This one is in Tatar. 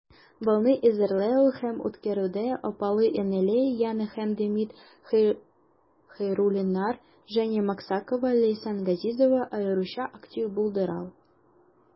Балны әзерләү һәм үткәрүдә апалы-энеле Яна һәм Демид Хәйруллиннар, Женя Максакова, Ләйсән Газизова аеруча актив булдылар.